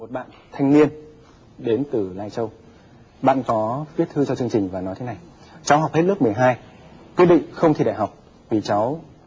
một bạn thanh niên đến từ lai châu bạn có viết thư cho chương trình và nói thế này cháu học hết lớp mười hai quyết định không thi đại học vì cháu